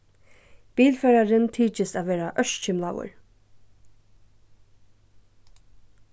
bilførarin tykist at vera ørkymlaður